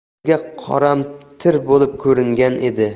bizga qoramtir bo'lib ko'ringan edi